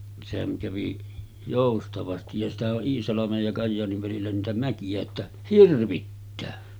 sehän kävi joustavasti ja sitähän on Iisalmen ja Kajaanin välillä niitä mäkiä että hirvittää